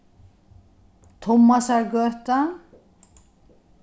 tummasargøta